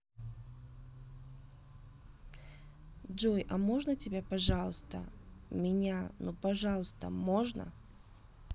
джой а можно тебя пожалуйста меня ну пожалуйста можно